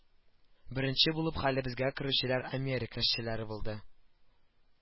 Беренче булып хәлебезгә керүчеләр америка эшчеләре булды